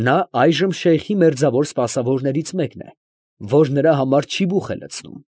Նա այժմ շեյխի մերձավոր սպասավորներից մեկն է, որ նրա համար չիբուխ է լցնում։